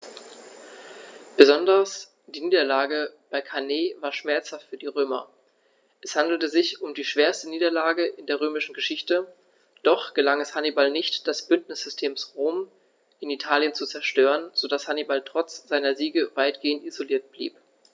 Besonders die Niederlage bei Cannae war schmerzhaft für die Römer: Es handelte sich um die schwerste Niederlage in der römischen Geschichte, doch gelang es Hannibal nicht, das Bündnissystem Roms in Italien zu zerstören, sodass Hannibal trotz seiner Siege weitgehend isoliert blieb.